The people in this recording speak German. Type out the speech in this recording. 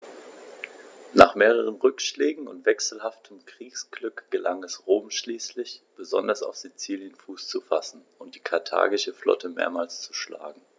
Nach mehreren Rückschlägen und wechselhaftem Kriegsglück gelang es Rom schließlich, besonders auf Sizilien Fuß zu fassen und die karthagische Flotte mehrmals zu schlagen.